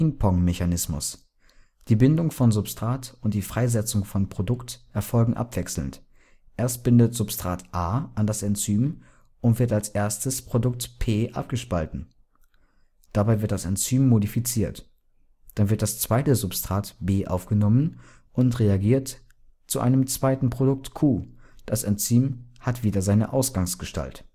Ping-Pong-Mechanismus Die Bindung von Substrat und die Freisetzung von Produkt erfolgen abwechselnd. Erst bindet Substrat A an das Enzym und wird als erstes Produkt P abgespalten. Dabei wird das Enzym modifiziert. Dann wird das zweite Substrat B aufgenommen und reagiert zu einem zweiten Produkt Q. Das Enzym hat wieder seine Ausgangsgestalt